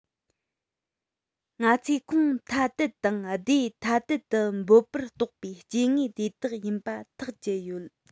ང ཚོས ཁོངས ཐ དད དང སྡེ ཐ དད དུ འབོད པར གཏོགས པའི སྐྱེ དངོས དེ དག ཡིན པ ཐག བཅད ཡོད